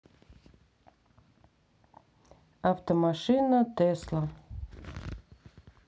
автомашина тесла